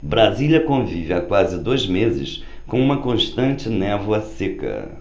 brasília convive há quase dois meses com uma constante névoa seca